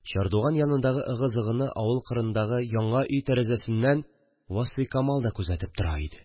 Чардуган янындагы ыгы-зыгыны авыл кырындагы яңа өй тәрәзәсеннән Васфикамал да күзәтеп тора иде